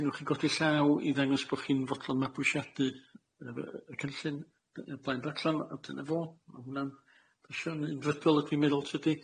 Newch chi godi llaw i ddangos bo' chi'n fodlon mabwysiadu yy yy y cynllun yy blaen daclan a dyna fo ma' hwnna'n fysio'n unfrydol ydw i'n meddwl tydi?